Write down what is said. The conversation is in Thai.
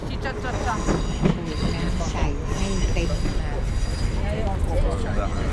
เปิดน้ำใส่ให้เต็มอ่าง